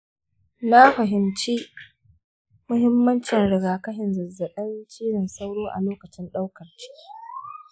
na fahimci muhimmancin rigakafin zazzabin cizon sauro a lokacin daukar ciki.